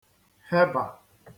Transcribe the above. hebà